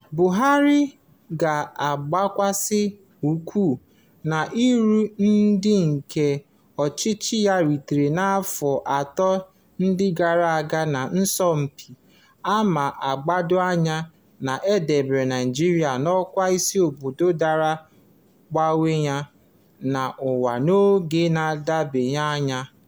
Buhari ga-agbakwasị ụkwụ n'uru ndị nke ọchịchị ya ritere na afọ atọ ndị gara aga n'asọmpị a ma gbado anya na e debere Naịjirịa n'ọkwa isi obodo dara ogbenye n'ụwa n'oge na-adịbeghị anya.